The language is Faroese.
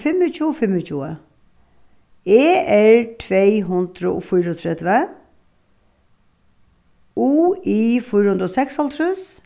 fimmogtjúgu fimmogtjúgu e r tvey hundrað og fýraogtretivu u i fýra hundrað og seksoghálvtrýss